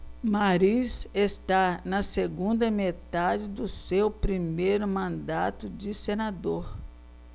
mariz está na segunda metade do seu primeiro mandato de senador